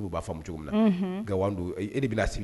U' b'a faamu fɔ cogo na ga i b' sigi